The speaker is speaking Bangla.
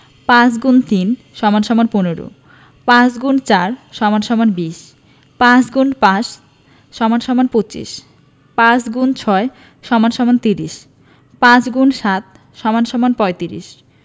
৫× ৩ = ১৫ ৫× ৪ = ২০ ৫× ৫ = ২৫ ৫x ৬ = ৩০ ৫× ৭ = ৩৫